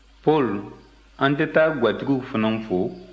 paul an tɛ taa gatigi fana fo